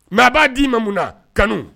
Mais a b'a d'i ma munna, kanu